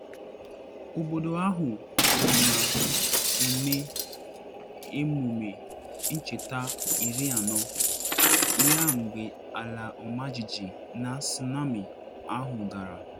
Obodo ahụ nọ na eme emume ncheta 40 ya mgbe ala ọmajiji na tsunami ahụ dara.